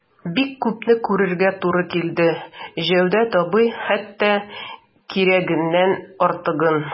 Бик күпне күрергә туры килде, Җәүдәт абый, хәтта кирәгеннән артыгын...